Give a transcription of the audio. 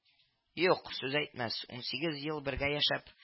Юк, сүз әйтмәс, унсигез ел бергә яшәп